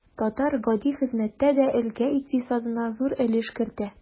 Татар гади хезмәттә дә өлкә икътисадына зур өлеш кертә.